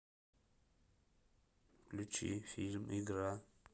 включи фильм игра